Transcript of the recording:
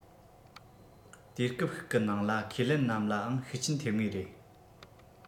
དུས སྐབས ཤིག གི ནང ལ ཁས ལེན རྣམས ལའང ཤུགས རྐྱེན ཐེབས ངེས རེད